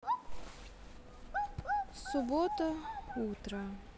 суббота утро